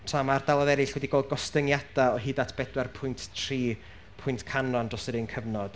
tra ma' ardaloedd eraill wedi gweld gostyngiada o hyd at bedwar pwynt tri pwynt canran dros yr un cyfnod.